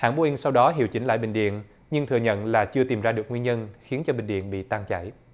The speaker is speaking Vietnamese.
hãng bô inh sau đó hiệu chỉnh lại bình điện nhưng thừa nhận là chưa tìm ra được nguyên nhân khiến cho bình điện bị tan chảy